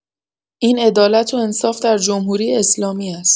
این عدالت و انصاف در جمهوری‌اسلامی است.